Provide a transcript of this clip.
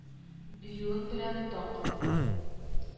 Биюең белән таң кал